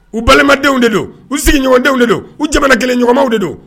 U balimadenw de don u sigiɲɔgɔndenw de don u jamana kelenɲɔgɔnw de don